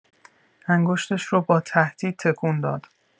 انگشتش رو با تهدید تکون داد.